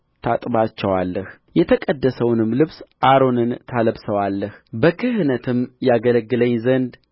ታጥባቸዋለህ የተቀደሰውንም ልብስ አሮንን ታለብሰዋለህ በክህነትም ያገለግለኝ ዘንድ